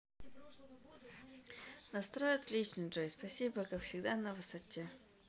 настрой отличный джой спасибо ты как всегда на высоте